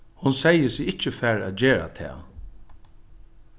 hon segði seg ikki fara at gera tað